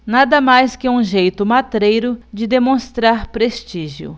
nada mais que um jeito matreiro de demonstrar prestígio